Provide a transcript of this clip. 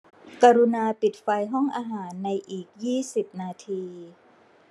กรุณาปิดไฟห้องอาหารในอีกยี่สิบนาที